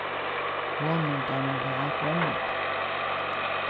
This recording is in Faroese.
honum dámar væl grønmeti